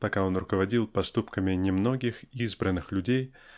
пока он руководил поступками немногих избранных людей